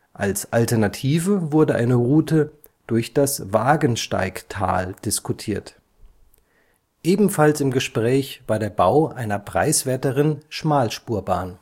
Als Alternative wurde eine Route durch das Wagensteigtal diskutiert. Ebenfalls im Gespräch war der Bau einer preiswerteren Schmalspurbahn